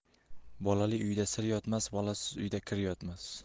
bolah uyda sir yotmas bolasiz uyda kir yotmas